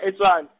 e Tshwane.